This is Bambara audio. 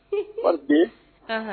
Hali bi, ɔnhɔn